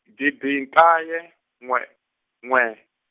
gidi nkaye n'we n'we.